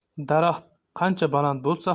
daraxt qancha baland bo'lsa